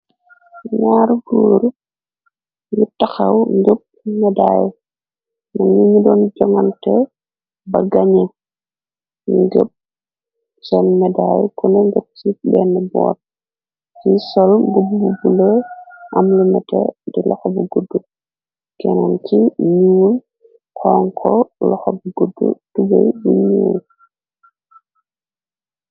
Nyaari góor yu taxaw njopp medaay nani ñu doon jogŋante ba gañe ngëp seen medaay kone ngëp ci benn boot yi sol bu bu bule am lu mete di loxa bu gudd kennoom ci ñuul konko loxa bu gudd tubey yu ñyuul.